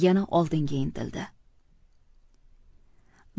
yana oldinga intildi